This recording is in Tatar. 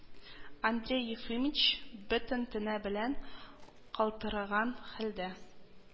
Андрей Ефимыч, бөтен тәне белән калтыраган хәлдә: